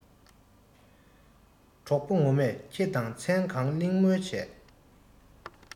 གྲོགས པོ ངོ མས ཁྱེད དང མཚན གང གླེང མོལ བྱས